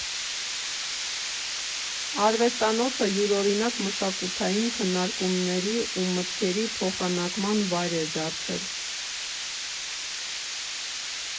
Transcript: Արվեստանոցը յուրօրինակ մշակութային քննարկումների ու մտքերի փոխանակման վայր էր դարձել։